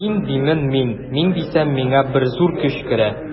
Мин димен мин, мин дисәм, миңа бер зур көч керә.